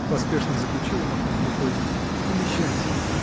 — поспешно заключила, махнув рукой, — уезжайте!